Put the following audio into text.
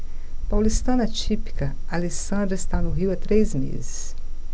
paulistana típica alessandra está no rio há três meses